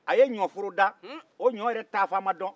a ye ɲɔforo da o ɲɔ yɛrɛ taa fan ma dɔn